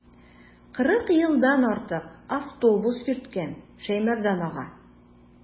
Кырык елдан артык автобус йөрткән Шәймәрдан ага.